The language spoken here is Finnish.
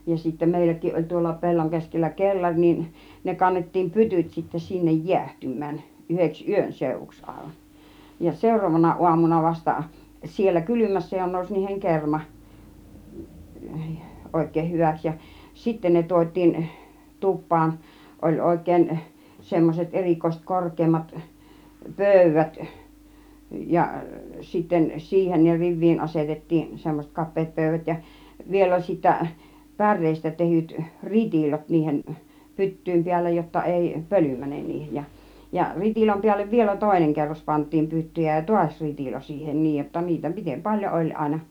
ja sitten meilläkin oli tuolla pellon keskellä kellari niin ne kannettiin pytyt sitten sinne jäähtymään yhdeksi yön seuduksi aivan ja seuraavana aamuna vasta siellä kylmässä jo nousi niihin kerma oikein hyväksi ja sitten ne tuotiin tupaan oli oikein semmoiset erikoiset korkeammat pöydät ja sitten siihen ne riviin asetettiin semmoiset kapeat pöydät ja vielä oli sitten päreestä tehdyt ritilot niiden pyttyjen päällä jotta ei pöly mene niihin ja ja ritilän päälle vielä toinen kerros pantiin pyttyjä ja taas ritilo siihen niin jotta niitä miten paljon oli aina